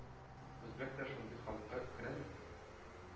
Үзбәк тә шундый халыкка керәме?